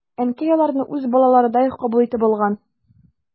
Әнкәй аларны үз балаларыдай кабул итеп алган.